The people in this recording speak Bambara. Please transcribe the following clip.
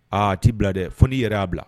Aa a t'i bila dɛ fo n'i yɛrɛ y'a bila